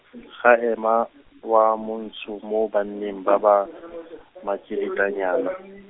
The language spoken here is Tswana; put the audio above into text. ga ema, wa Montsho mo banneng ba ba, makiritlanyana.